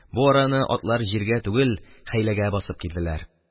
Бу араны атлар җиргә түгел, хәйләгә басып килделәр.